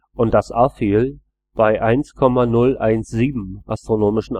und das Aphel bei 1,017 AE